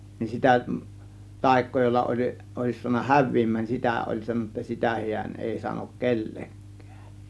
niin sitä taikaa jolla oli olisi saanut häviämään niin sitä oli sanonut sitä hän ei sano kenellekään